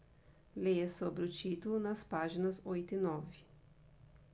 leia sobre o título nas páginas oito e nove